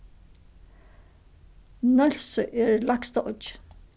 nólsoy er lægsta oyggin